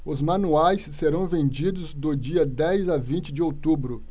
os manuais serão vendidos do dia dez a vinte de outubro